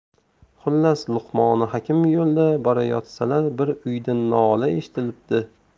xullas luqmoni hakim yo'lda borayotsalar bir uydan nola eshitilibdi